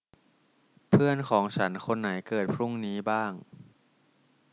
เพื่อนของฉันคนไหนเกิดพรุ่งนี้บ้าง